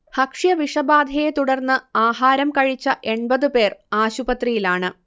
ഭക്ഷ്യ വിഷബാധയെ തുടർന്ന് ആഹാരം കഴിച്ച എൺപത് പേർആശുപത്രിയിലാണ്